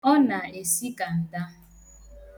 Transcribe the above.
Ọ na-esi kanda.